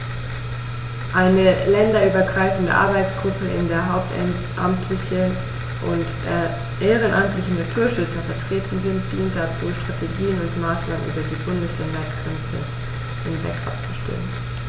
Eine länderübergreifende Arbeitsgruppe, in der hauptamtliche und ehrenamtliche Naturschützer vertreten sind, dient dazu, Strategien und Maßnahmen über die Bundesländergrenzen hinweg abzustimmen.